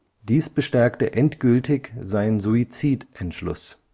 Dies bestärkte endgültig seinen Suizidentschluss